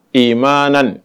I ma